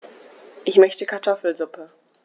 Ich möchte Kartoffelsuppe.